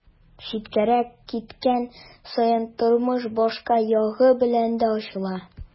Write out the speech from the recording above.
Читкәрәк киткән саен тормыш башка ягы белән дә ачыла.